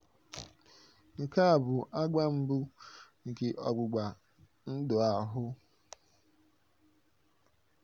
Nke a bụ agba mbụ nke ọgbụgba ndụ ahụ.